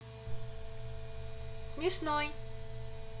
смешной